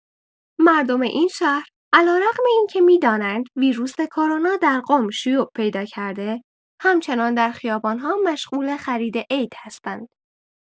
مردم این شهر علیرغم این که می‌دانند ویروس کرونا در قم شیوع پیدا کرده همچنان در خیابان‌ها مشغول خرید عید هستند.